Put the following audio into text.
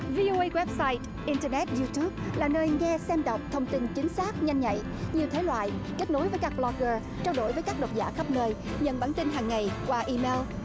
vi ô ây goép sai in tơ nét diu tút là nơi nghe xem đọc thông tin chính xác nhanh nhạy nhiều thể loại kết nối với các bờ loóc gơ trao đổi với các độc giả khắp nơi nhận bản tin hằng ngày qua i meo